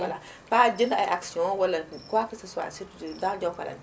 voilà pas jënd ay actions walla quoi que ce soit surtout dans Jokalante